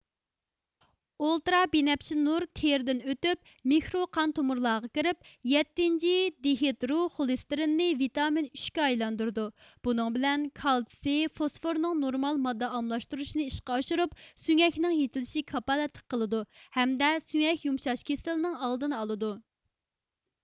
ئۇلتىرا بىنەپشە نۇر تېرىدىن ئۆتۈپ مىكرو قان تومۇرلارغا كىرىپ يەتتىنچى دىھېدرو خولېستېرىننى ۋىتامىن ئۈچ كە ئايلاندۇرىدۇ بۇنىڭ بىلەن كالتسىي فوسفورنىڭ نورمال ماددا ئالماشتۇرۇشىنى ئىشقا ئاشۇرۇپ سۆڭەكنىڭ يېتىلىشىگە كاپالەتلىك قىلىدۇ ھەمدە سۆڭەك يۇمشاش كېسىلىنىڭ ئالدىنى ئالىدۇ